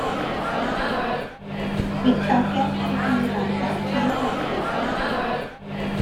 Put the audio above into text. ปิดเตาแก๊สทันทีหลังจากใช้งานเสร็จ